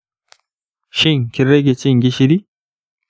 shin, kin rage cin gishiri?